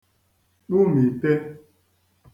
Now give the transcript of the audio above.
kpumìte